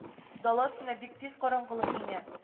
Дала өстенә бик тиз караңгылык иңә